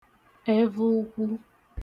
ẹvọ ukwu